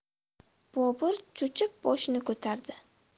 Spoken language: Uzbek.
bobur cho'chib boshini ko'tardi